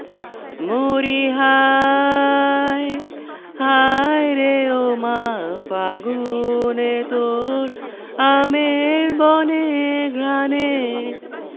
মরিহায় হায়রে ওমা ফাগুনে তোর আমের বনে ঘ্রাণে